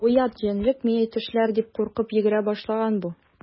Бу ят җәнлек мине тешләр дип куркып йөгерә башлаган бу.